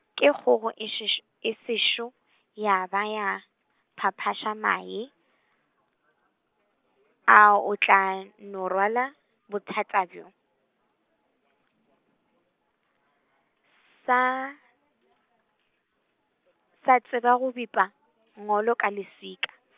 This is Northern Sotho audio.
ke kgogo e seš-, e sešo ya ba ya, phaphaša mae, a o tla no rwala, bothata bjo, sa, sa tseba go bipa ngolo ka leswika.